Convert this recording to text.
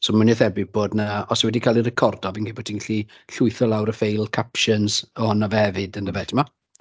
So mwy na thebyg bod 'na... os yw e wedi cael ei recordo, fi'n credu bod ti'n gallu llwytho lawr y ffeil captions ohono fe hefyd yndyfe timod.